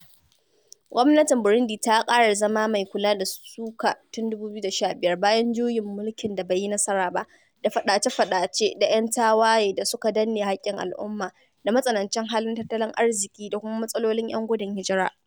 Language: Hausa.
Gwamnatin Burundi ta ƙara zama mai kula da suka tun 2015, bayan juyin mulkin da bai yi nasara ba dafaɗace-faɗace da 'yan tawaye da suka danne haƙƙin al'umma da matsanancin halin tattalin arziƙi da kuma matsalolin 'yan gudun hijira.